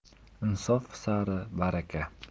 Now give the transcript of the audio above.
insof sari baraka